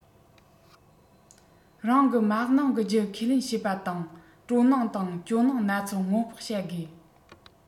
རང གི མ ནིང གི རྒྱུ ཁས ལེན བྱེད དང སྤྲོ སྣང དང སྐྱོ སྣང སྣ ཚོགས སྔོན དཔག བྱ དགོས